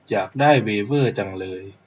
อยากได้เวเวอร์จังเลย